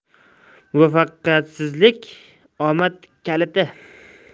muvaffaqiyatsizlik omad kaliti